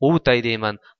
ovitay deyman